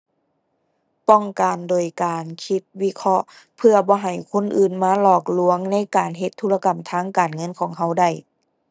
ป้องกันโดยการคิด วิเคราะห์ เพื่อบ่ให้คนอื่นมาหลอกลวงในการเฮ็ดธุรกรรมทางการเงินของเราได้